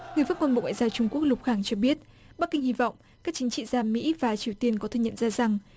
người phát ngôn bộ ngoại giao trung quốc lục khang cho biết bắc kinh hy vọng các chính trị gia mỹ và triều tiên có thể nhận ra rằng